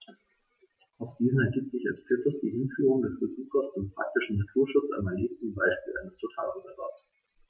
Aus diesen ergibt sich als viertes die Hinführung des Besuchers zum praktischen Naturschutz am erlebten Beispiel eines Totalreservats.